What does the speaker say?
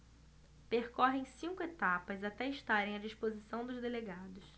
percorrem cinco etapas até estarem à disposição dos delegados